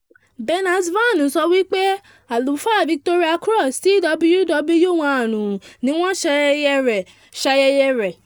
Bernard Vann: Àlùfàá Victoria Cross ti WW1 ní wọ́n ṣayẹyẹ rẹ̀ ṣayẹyẹ rẹ̀